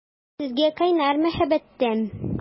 Сезгә кайнар мәхәббәтем!